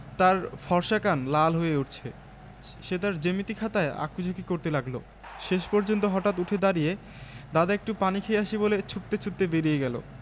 ০% ইন্টারেস্টে ৬ মাস পর্যন্ত নগদ মূল্য পরিশোধ এবং ১২ মাস পর্যন্ত সহজ কিস্তি সুবিধা এই ক্যাম্পেইনে সিঙ্গার আরো দিচ্ছে